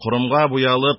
Корымга буялып,